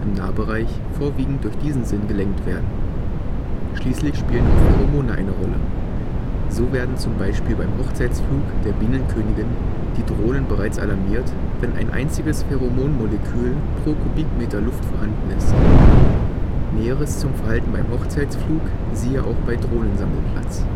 Nahbereich vorwiegend durch diesen Sinn gelenkt werden. Schließlich spielen auch Pheromone eine Rolle. So werden z. B. beim Hochzeitsflug der Bienenkönigin die Drohnen bereits alarmiert, wenn ein einziges Pheromon-Molekül pro Kubikmeter Luft vorhanden ist – Näheres zum Verhalten beim Hochzeitsflug siehe auch bei Drohnensammelplatz